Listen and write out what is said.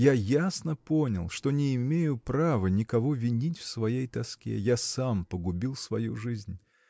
Я ясно понял, что не имею права никого винить в своей тоске. Я сам погубил свою жизнь.